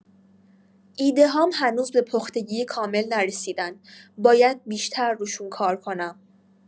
ایده‌هام هنوز به پختگی کامل نرسیدن، باید بیشتر روشون کار کنم.